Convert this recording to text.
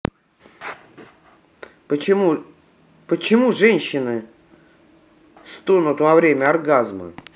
почему женщины стонут во время оргазма